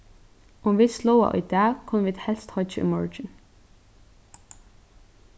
um vit sláa í dag kunnu vit helst hoyggja í morgin